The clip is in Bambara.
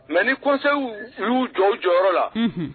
Mɛ ni kɔ kosɛbɛ u y'u jɔ jɔyɔrɔ la